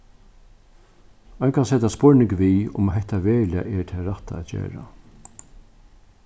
ein kann seta spurning við um hetta veruliga er tað rætta at gera